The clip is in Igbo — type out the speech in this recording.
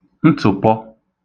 ntụ̀pọ